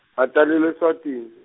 ngatalelwa eSwatini.